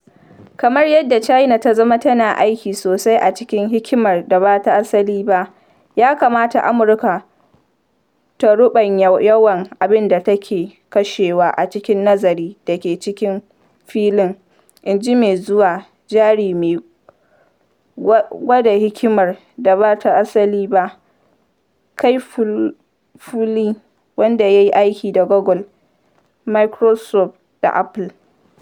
Kamar yadda China ta zama tana aiki sosai a cikin hikimar da ba ta asali ba, ya kamata Amurka ta ruɓanya yawan abin da take kashewa a cikin nazari da ke cikin filin, inji mai zuba jari mai gwada hikimar da ba ta asalin ba Kai-Fu Lee, wanda ya yi aiki da Google, Microsoft da Apple.